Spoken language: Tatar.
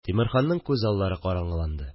Тимерханның күз аллары караңгыланды